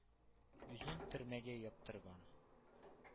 Үзен төрмәгә яптырган.